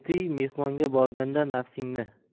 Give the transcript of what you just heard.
tiy mehmonga borganda nafsingni